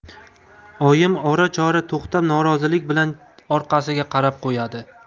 oyim ora chora to'xtab norozilik bilan orqasiga qarab qo'yadi